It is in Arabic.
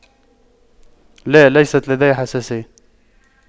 لا ليست لدي حساسية